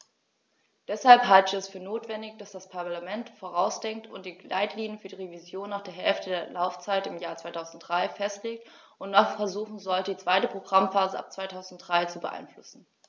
Deshalb halte ich es für notwendig, dass das Parlament vorausdenkt und die Leitlinien für die Revision nach der Hälfte der Laufzeit im Jahr 2003 festlegt und noch versuchen sollte, die zweite Programmphase ab 2003 zu beeinflussen.